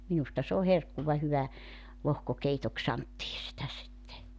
minusta se on herkkua hyvä lohkokeitoksi sanottiin sitä sitten